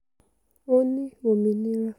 Ó ní òmìnira.